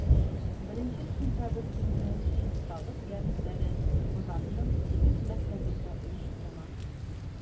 Беренче сентябрь көнне чисталык дәресләре казанның сигез мәктәбендә оештырыла